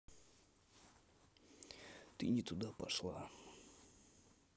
ты не туда пошла